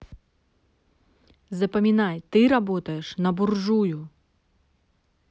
запоминай ты работаешь на буржую